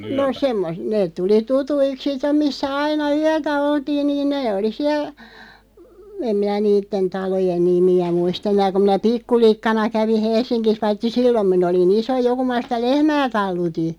no - ne tuli tutuiksi sitten missä aina yötä oltiin niin ne oli siellä en minä niiden talojen nimiä muista enää kun minä pikkulikkana kävin Helsingissä paitsi silloin minä olin iso jo kun minä sitä lehmää talutin